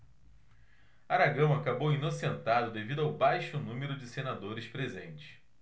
aragão acabou inocentado devido ao baixo número de senadores presentes